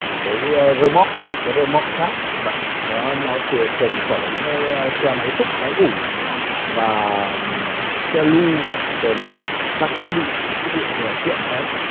cái rơ móc cái rơ moóc khác nó nó thường thường chở cái xe máy xúc máy ủi và xe lu rồi là các thiết bị thiết bị kiện đấy